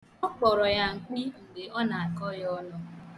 Ọ kpọrọ ya mkpi mgbe ọ na-akọ ya ọnụ.